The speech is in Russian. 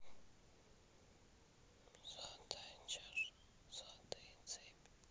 золотая чаша золотые цепи